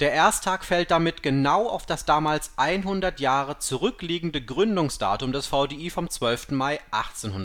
Ersttag fällt damit genau auf das damals 100 Jahre zurückliegende Grundüngsdatum des VDI vom 12. Mai 1856